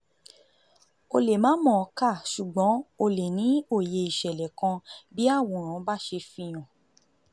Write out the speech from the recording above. O lè má mọ̀ọ́ kà ṣùgbọ́n o lè ní òye ìṣẹ̀lẹ̀ kan bí àwòrán bá ṣe fihàn.